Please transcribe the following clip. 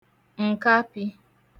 ǹkapị̄